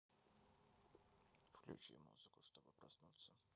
включи музыку чтобы проснуться